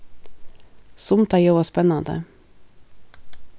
sum tað ljóðar spennandi